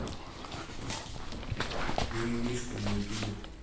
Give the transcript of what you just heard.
мимимишки на ютубе